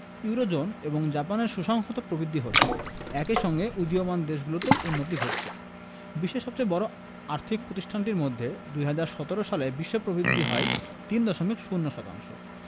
eurozone এবং জাপানের সুসংহত প্রবৃদ্ধি হচ্ছে একই সঙ্গে উদীয়মান দেশগুলোতেও উন্নতি ঘটছে বিশ্বের সবচেয়ে বড় আর্থিক প্রতিষ্ঠানটির মধ্যে ২০১৭ সালে বিশ্ব প্রবৃদ্ধি হয় ৩.০ শতাংশ